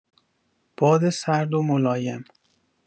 باد سرد و ملایم